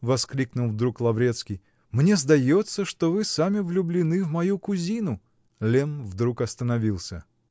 -- воскликнул вдруг Лаврецкий, -- мне сдается, что вы сами влюблены в мою кузину. Лемм вдруг остановился.